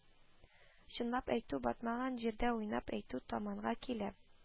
Чынлап әйтү батмаган җирдә уйнап әйтү таманга килә